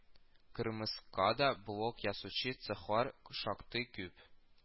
Кырмыска да блок ясаучы цехлар шактый күп